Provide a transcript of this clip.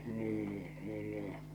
niin niin niin